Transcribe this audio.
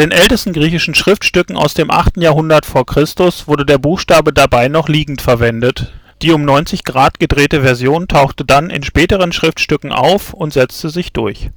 ältesten griechischen Schriftstücken aus dem 8. Jahrhundert vor Christus wurde der Buchstabe dabei noch liegend verwendet, die um 90° gedrehte Version tauchte dann in späteren Schriftstücken auf und setzte sich durch